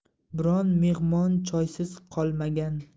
biron mehmon choysiz qolmagan